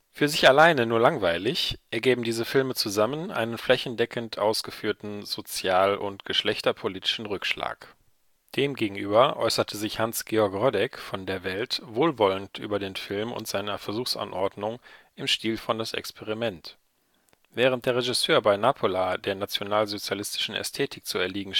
Für sich alleine nur langweilig, ergäben diese Filme zusammen einen flächendeckend ausgeführten sozial - und geschlechterpolitischen Rückschlag. Demgegenüber äußerte sich Hanns-Georg Rodek von der Welt wohlwollend über den Film und seine Versuchsanordnung im Stil von Das Experiment. Während der Regisseur bei Napola der nationalsozialistischen Ästhetik zu erliegen